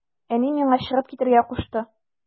Әни миңа чыгып китәргә кушты.